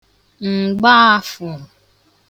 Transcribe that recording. m̀gbaafụ̀